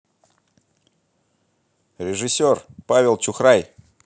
режиссер павел чухрай